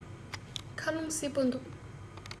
ཁ རླུང བསིལ པོ འདུག